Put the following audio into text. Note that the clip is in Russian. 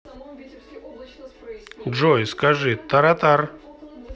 джой скажи таратор